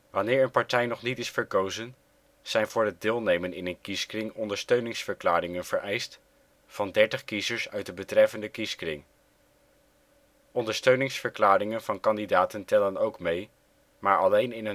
Wanneer een partij nog niet is verkozen, zijn voor het deelnemen in een kieskring ondersteuningsverklaringen vereist van 30 kiezers uit de betreffende kieskring. Ondersteuningsverklaringen van kandidaten tellen ook mee, maar alleen in